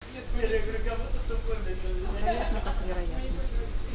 вероятно как вероятно